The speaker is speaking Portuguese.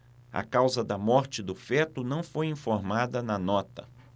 a causa da morte do feto não foi informada na nota